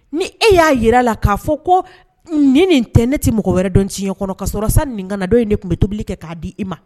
Ni e y'a jira a la k'a fɔ ko nin nin tɛ ne tɛ mɔgɔ wɛrɛ dɔn tiɲɛɲɛ kɔnɔ ka sɔrɔ sa nin kanadɔ in de tun bɛ tobili kɛ k'a di i ma